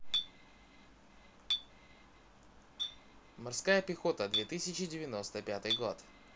морская пехота две тысячи девяносто пятый год